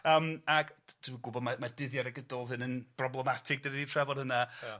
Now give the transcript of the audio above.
Yym ag ti'm yn gwbod ma' ma' dyddiad y Gododdin yn broblematig 'dan ni 'di trafod hwnna. Ia.